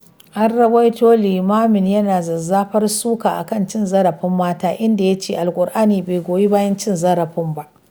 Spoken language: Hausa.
An rawaito limamin yana zazzafar suka a kan cin zarafin mata, inda ya ce Alkur'ani bai goyi bayan cin zarafi ba